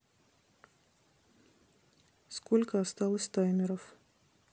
сколько осталось таймеров